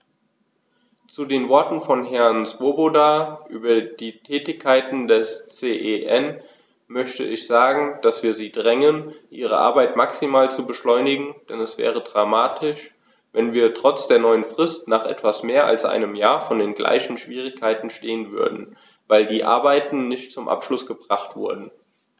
Zu den Worten von Herrn Swoboda über die Tätigkeit des CEN möchte ich sagen, dass wir sie drängen, ihre Arbeit maximal zu beschleunigen, denn es wäre dramatisch, wenn wir trotz der neuen Frist nach etwas mehr als einem Jahr vor den gleichen Schwierigkeiten stehen würden, weil die Arbeiten nicht zum Abschluss gebracht wurden.